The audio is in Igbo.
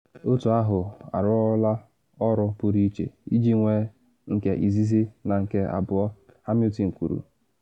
Otu ahụ arụọla ọrụ pụrụ iche iji nwee nke izizi na nke abụọ,” Hamilton kwuru.